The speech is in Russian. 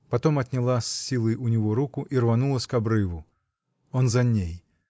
Потом отняла с силой у него руку и рванулась к обрыву. Он за ней.